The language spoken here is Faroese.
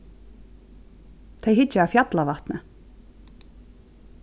tey hyggja at fjallavatni